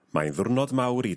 Mae'n ddiwrnod mawr i...